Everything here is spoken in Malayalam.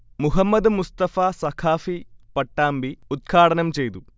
മുഹമ്മദ് മുസ്തഫ സഖാഫി പട്ടാമ്പി ഉദ്ഘാടനം ചെയ്തു